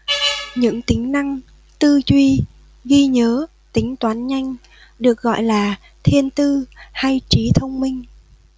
những tính năng tư duy ghi nhớ tính toán nhanh được gọi là thiên tư hay trí thông minh